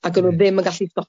Ac o'n n'w ddim yn gallu stopo